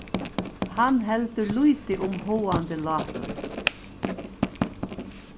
hann heldur lítið um háðandi látur